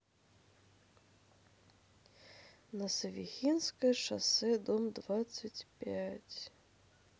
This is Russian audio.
носовихинское шоссе дом двадцать пять